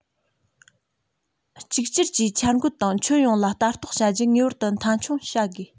གཅིག གྱུར གྱིས འཆར འགོད དང ཁྱོན ཡོངས ལ ལྟ རྟོག བྱ རྒྱུ ངེས པར དུ མཐའ འཁྱོངས བྱ དགོས